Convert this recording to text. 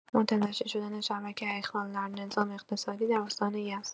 متلاشی‌شدن شبکه اخلال در نظام اقتصادی در استان یزد.